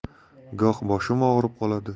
goh boshim og'rib